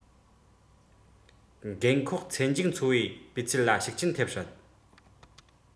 རྒན འཁོགས ཚེ མཇུག འཚོ བའི སྤུས ཚད ལ ཤུགས རྐྱེན ཐེབས སྲིད